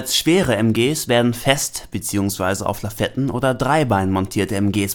schwere MGs werden fest bzw. auf Lafetten oder Dreibein montierte MGs